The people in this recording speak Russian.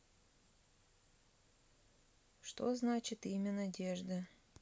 что значит имя надежда